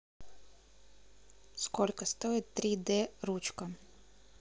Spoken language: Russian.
сколько стоит три д ручка